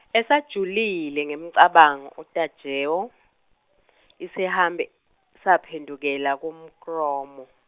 esajulile ngemicabango uTajewo isihambi saphendukela kuMkromo.